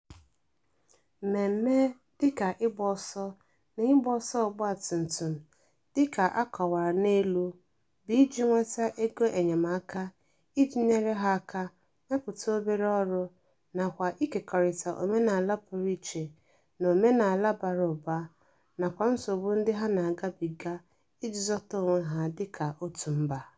Mmemme dịka ịgbaọsọ na ịgbaọsọ ọgbatumtum dịka a kọwara n'elu bụ iji nweta ego enyemaaka iji nyere ha aka mepụta obere ọrụ nakwa ịkekọrịta omenala pụrụ iche na omenala bara ụba, nakwa nsogbu ndị ha na-agabịga iji zọta onwe ha dịka otu mba.